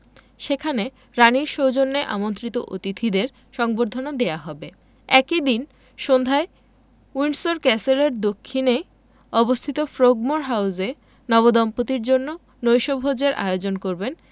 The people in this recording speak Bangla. সেখানে রানির সৌজন্যে আমন্ত্রিত অতিথিদের সংবর্ধনা দেওয়া হবে একই দিন সন্ধ্যায় উইন্ডসর ক্যাসেলের দক্ষিণে অবস্থিত ফ্রোগমোর হাউসে নবদম্পতির জন্য নৈশভোজের আয়োজন করবেন